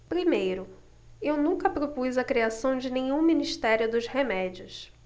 primeiro eu nunca propus a criação de nenhum ministério dos remédios